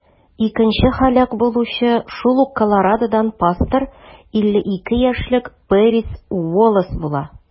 Икенче һәлак булучы шул ук Колорадодан пастор - 52 яшьлек Пэрис Уоллэс була.